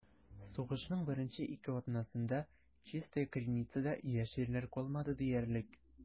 Сугышның беренче ике атнасында Чистая Криницада яшь ирләр калмады диярлек.